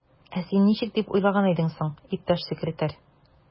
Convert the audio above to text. Ә син ничек дип уйлаган идең соң, иптәш секретарь?